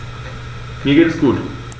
Mir geht es gut.